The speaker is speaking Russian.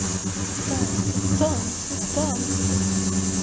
танцы танцы танцы